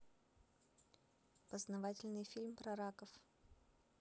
познавательный фильм про раков